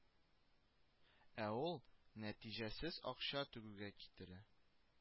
Ә ул нәтиҗәсез акча түгүгә китерә